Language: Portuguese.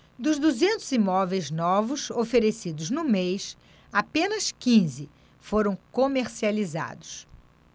dos duzentos imóveis novos oferecidos no mês apenas quinze foram comercializados